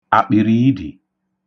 akpìrìidì